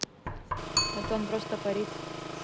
это он просто парит